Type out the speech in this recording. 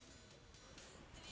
а он заканчивается